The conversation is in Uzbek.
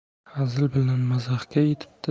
hazil bilan mazaxga yetibdi